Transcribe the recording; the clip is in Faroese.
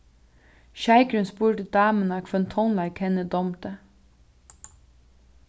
sjeikurin spurdi damuna hvønn tónleik henni dámdi